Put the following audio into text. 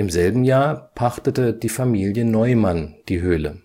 selben Jahr pachtete die Familie Neumann die Höhle